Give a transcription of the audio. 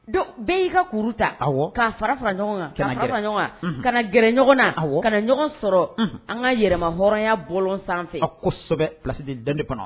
Dɔnku bɛɛ y'i ka kuru ta k kaa fara fara ɲɔgɔn kan ɲɔgɔn kan ka gɛrɛ ɲɔgɔn na kana ɲɔgɔn sɔrɔ an ka yɛlɛmama hɔrɔnya bɔlɔn sanfɛ a kɔsɔ kosɛbɛbɛ p dan kɔnɔ